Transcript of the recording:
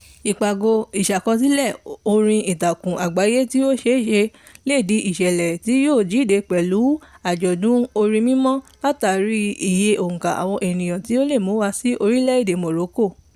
Ìpàgọ́ Ìṣàkọsílẹ̀ orí Ìtàkùn Àgbáyé tí ó ṣeéṣe lè di ìṣẹ̀lẹ̀ tí yóò díje pẹ̀lú Àjọ̀dún Orin Mímọ́ látàrí iye òǹkà àwọn ènìyàn tí ó le mú wá sí orílẹ̀ èdè Morocco.